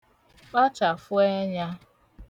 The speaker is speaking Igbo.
kpachàfụ ẹnyā